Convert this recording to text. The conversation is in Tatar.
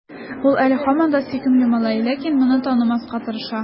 Ул әле һаман да сөйкемле малай, ләкин моны танымаска тырыша.